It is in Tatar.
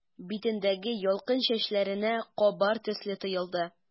Битендәге ялкын чәчләренә кабар төсле тоелды.